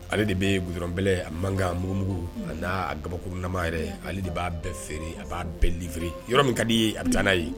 Ale de bɛ g dɔrɔnb mankan murumugu ani n'a kabako nama yɛrɛ ale de b'a bɛɛ feereere a b'a bɛɛ pri yɔrɔ min ka di ye a bɛ n'a ye